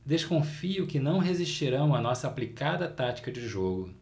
desconfio que não resistirão à nossa aplicada tática de jogo